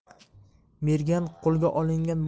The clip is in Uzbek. mergan qo'lga olingan